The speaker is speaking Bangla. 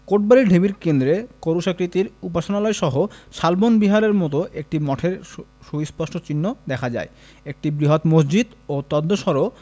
কোটবাড়ি ঢিবির কেন্দ্রে ক্রুশাকৃতির উপাসনালয়সহ শালবন বিহারের মতো একটি মঠের সুস্পষ্ট চিহ্ন দেখা যায় একটি বৃহৎ মসজিদ ও তদ্ধসঢ়